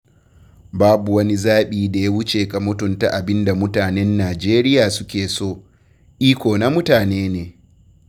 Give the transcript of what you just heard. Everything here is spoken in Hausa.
Babu wani zaɓi da ya wuce ka mutunta abin da mutanen Nijeriya suke so, iko na mutane ne.